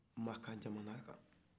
maka jamana kan